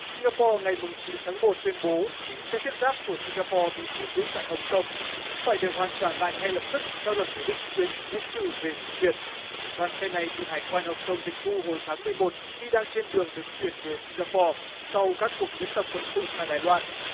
sinh ga po ngày mùng chín tháng một tuyên bố chín xe thiết giáp của sinh ga po bị thu giữ tại hồng công phải được hoàn trả lại ngay lập tức theo luật quy định quyền miễn trừ về chủ quyền đoàn xe này bị hải quan hồng công tịch thu hồi tháng mười một khi đang trên đường được chuyển về sinh ga po sau các cuộc diễn tập quân sự tại đài loan